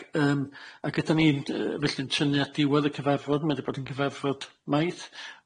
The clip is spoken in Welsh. Ag yym ag ydan ni'n yy felly'n tynnu at diwedd y cyfarfod ma'n dy' bod yn cyfarfod maith,